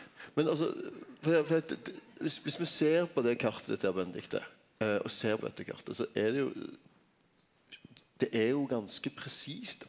men altså fordi at fordi at viss viss me ser på det kartet ditt her Benedicte og ser på dette kartet så er det jo det er jo ganske presist.